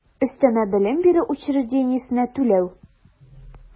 Өстәмә белем бирү учреждениесенә түләү